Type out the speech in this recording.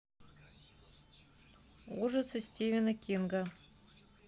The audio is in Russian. ужасы стивена кинга